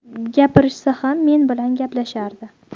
gapirishsa ham men bilan gaplashardi